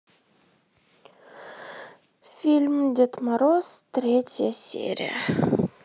фильм дед мороз третья серия